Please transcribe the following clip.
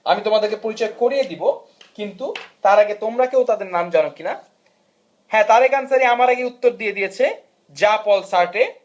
আমি তোমাদের কে পরিচয় করিয়ে দিব কিন্তু তার আগে তোমরা কেউ তাদের নাম জানো কিনা হ্যাঁ তারেক আনসারী আমাকে উত্তর দিয়ে দিয়েছে জ্যাঁ পল সারট্রে